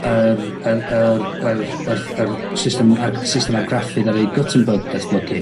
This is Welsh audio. yr yr yr yr yr f yr system arg- y system argraffu ddaru Guttenberg datblygu.